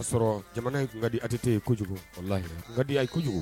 O y'a sɔrɔ jamana in kadidite ye kojugu lahi kadidenya a ye kojugu